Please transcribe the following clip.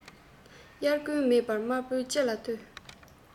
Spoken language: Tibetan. དབྱར དགུན མེད པར དམར པོའི ལྕེ ལ ལྟོས